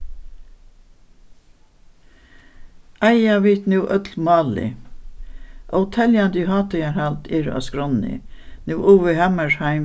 eiga vit nú øll málið óteljandi hátíðarhald eru á skránni nú u v hammershaimb